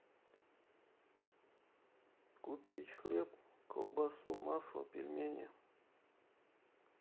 купить хлеб колбасу масло пельмени